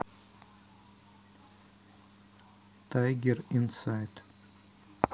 тайгер инсайд